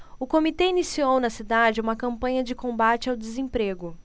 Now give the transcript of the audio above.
o comitê iniciou na cidade uma campanha de combate ao desemprego